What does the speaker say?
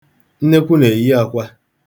Nnekwu na-eyi akwa.